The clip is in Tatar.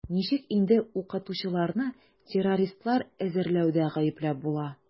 Ничек инде укытучыларны террористлар әзерләүдә гаепләп була?